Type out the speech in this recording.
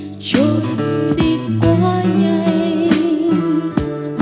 trôi đi quá nhanh